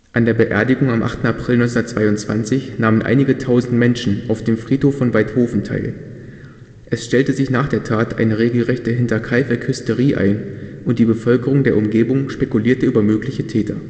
An der Beerdigung am 8. April 1922 nahmen einige tausend Menschen auf dem Friedhof von Waidhofen teil. Es stellte sich nach der Tat eine regelrechte Hinterkaifeck-Hysterie ein und die Bevölkerung der Umgebung spekulierte über mögliche Täter